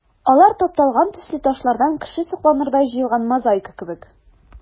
Алар тапталган төсле ташлардан кеше сокланырдай җыелган мозаика кебек.